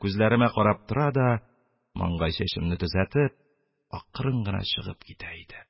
Күзләремә карап тора да, маңгай чәчемне төзәтеп, акрын гына чыгып китә иде.